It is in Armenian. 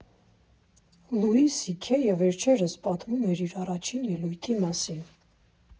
Լուի Սի Քեյը վերջերս պատմում էր իր առաջին ելույթի մասին։